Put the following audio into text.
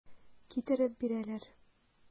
Китереп бирәләр.